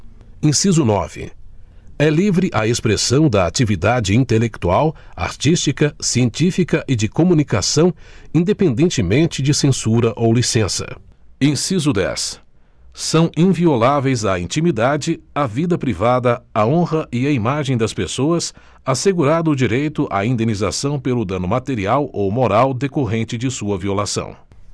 inciso nove é livre a expressão da atividade intelectual artística científica e de comunicação independentemente de censura ou licença inciso dez são invioláveis a intimidade a vida privada a honra e a imagem das pessoas assegurado o direito a indenização pelo dano material ou moral decorrente de sua violação